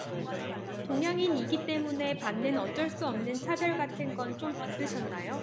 동양인이기 때문에 받는 어쩔 수 없는 차별 같은 건 좀 있으셨나요